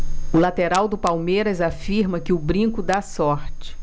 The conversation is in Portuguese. o lateral do palmeiras afirma que o brinco dá sorte